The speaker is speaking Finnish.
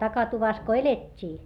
takatuvassa kun elettiin